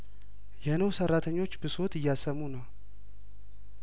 የኖህ ሰራተኞች ብሶት እያሰሙ ነው